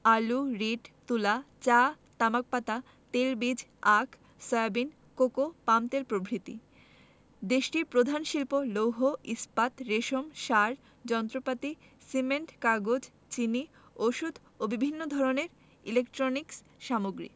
আলু রীট তুলা চা তামাক পাতা তেলবীজ আখ সয়াবিন কোকো পামতেল প্রভৃতি দেশটির প্রধান শিল্প লৌহ ইস্পাত রেশম সার যন্ত্রপাতি সিমেন্ট কাগজ চিনি ঔষধ ও বিভিন্ন ধরনের ইলেকট্রনিক্স সামগ্রী